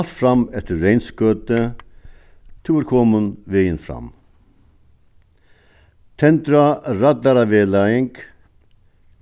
halt fram eftir reynsgøtu tú ert komin vegin fram tendra